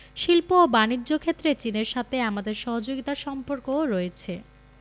শিল্প ও বানিজ্য ক্ষেত্রে চীনের সাথে আমাদের সহযোগিতার সম্পর্কও রয়েছে